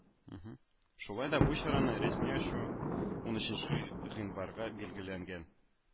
Шулай да бу чараны рәсми ачу унөченче гыйнварга билгеләнгән